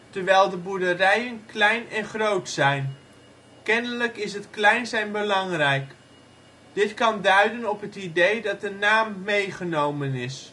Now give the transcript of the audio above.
terwijl de boerderijen " klein " en " groot " zijn. Kennelijk is het klein zijn belangrijk. Dit kan duiden op het idee dat de naam meegenomen is